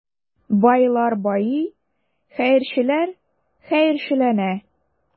Байлар байый, хәерчеләр хәерчеләнә.